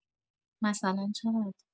مثلا چقد؟